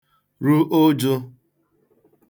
ru ụjụ̄